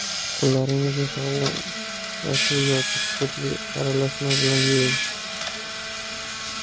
qo'llaringizni sovun va suv yoki spirtli aralashma bilan yuving